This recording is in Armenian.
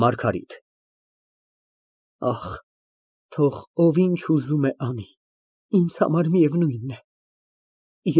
ՄԱՐԳԱՐԻՏ ֊ Ախ, թող ով ինչ ուզում է անի, ինձ համար միևնույն է։